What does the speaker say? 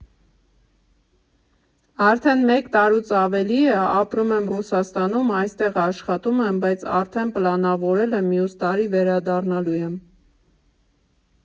Արդեն մեկ տարուց ավելի է՝ ապրում եմ Ռուսաստանում, այստեղ աշխատում եմ, բայց արդեն պլանավորել եմ՝ մյուս տարի վերադառնալու եմ։